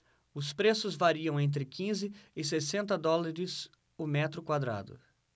os preços variam entre quinze e sessenta dólares o metro quadrado